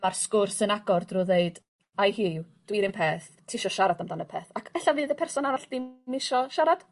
Ma'r sgwrs yn agor drw ddeud I hear you dwi'r un peth tisio siarad amdan y peth ac ella fydd y person arall ddim isio siarad...